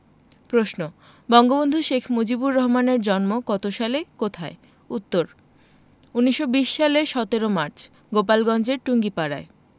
প্রশ্ন বঙ্গবন্ধু শেখ মুজিবুর রহমানের জন্ম কত সালে কোথায় উত্তর ১৯২০ সালের ১৭ মার্চ গোপালগঞ্জের টুঙ্গিপাড়ায়